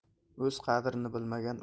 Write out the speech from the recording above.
o'z qadrini bilmagan